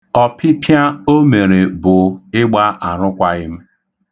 Ọpịpịa o mere bụ ịgba arụkwaghị m.